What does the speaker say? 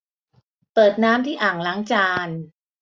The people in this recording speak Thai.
เปิดน้ำที่อ่างล้างจาน